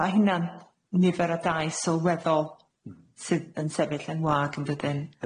Ma' hynna'n nifer o dai sylweddol sydd yn sefyll yn wag yndydyn?